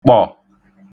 kpọ̀